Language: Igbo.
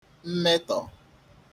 mmetọ̀